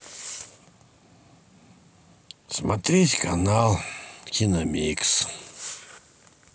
смотреть канал киномикс